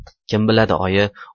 kim biladi oyi